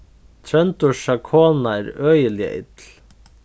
tróndursa kona er øgiliga ill